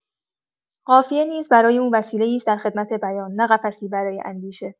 قافیه نیز برای او وسیله‌ای است در خدمت بیان، نه قفسی برای اندیشه.